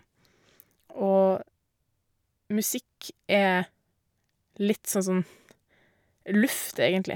Og musikk er litt sånn som luft, egentlig.